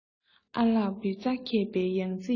ཨ ལགས ངྷི ཚ མཁས པའི ཡང རྩེ ཡིན